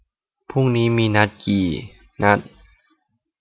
พรุ่งนี้มีกี่นัด